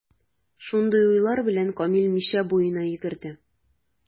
Шундый уйлар белән, Камил Мишә буена йөгерде.